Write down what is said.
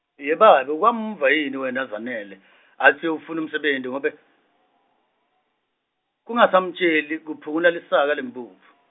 yebabe uke wamuva yini wena Zanele, atsi uyofuna umsebenti, ngoba , kungasamtjeli kuphungula lisaka lemphuphu.